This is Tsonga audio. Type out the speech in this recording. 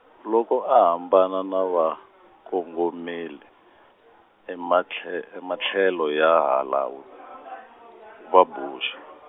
loko a hambana na va, kongomile ematlhe- ematlhelo ya hala , vaBuxi.